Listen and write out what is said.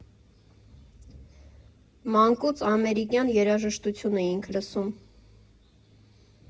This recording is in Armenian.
Մանկուց ամերիկյան երաժշտություն էինք լսում։